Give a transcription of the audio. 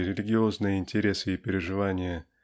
религиозные интересы и переживания.